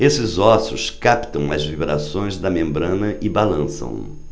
estes ossos captam as vibrações da membrana e balançam